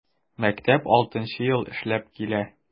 Мәктәп 6 нчы ел эшләп килә.